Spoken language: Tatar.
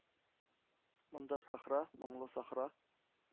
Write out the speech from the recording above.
Монда сахра, моңлы сахра..